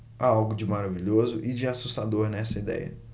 há algo de maravilhoso e de assustador nessa idéia